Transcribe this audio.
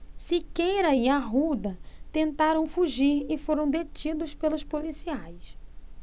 siqueira e arruda tentaram fugir e foram detidos pelos policiais